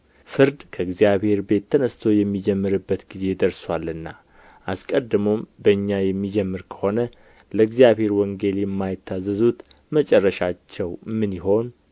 ፍርድ ከእግዚአብሔር ቤት ተነሥቶ የሚጀመርበት ጊዜ ደርሶአልና አስቀድሞም በእኛ የሚጀመር ከሆነ ለእግዚአብሔር ወንጌል የማይታዘዙ መጨረሻቸው ምን ይሆን